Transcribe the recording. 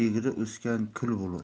egri o'sgan kul bo'lar